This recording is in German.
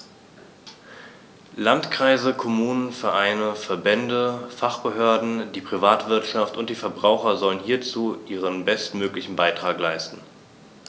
Landkreise, Kommunen, Vereine, Verbände, Fachbehörden, die Privatwirtschaft und die Verbraucher sollen hierzu ihren bestmöglichen Beitrag leisten.